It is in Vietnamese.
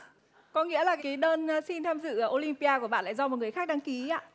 có nghĩa là ký đơn xin tham dự ô lim pi a của bạn lại do một người khác đăng ký ý ạ